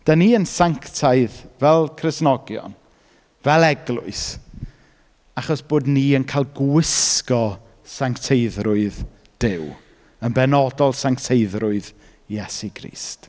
Dan ni yn sanctaidd fel Cristnogion, fel eglwys, achos bod ni yn cael gwisgo sancteiddrwydd Duw, yn benodol sancteiddrwydd Iesu Grist.